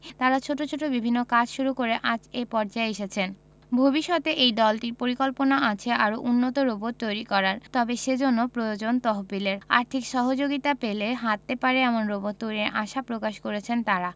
তারা ছোট ছোট বিভিন্ন কাজ শুরু করে আজ এ পর্যায়ে এসেছেন ভবিষ্যতে এই দলটির পরিকল্পনা আছে আরও উন্নত রোবট তৈরি করার তবে সেজন্য প্রয়োজন তহবিলের আর্থিক সহযোগিতা পেলে হাটতে পারে এমন রোবট তৈরির আশা প্রকাশ করেছেন তারা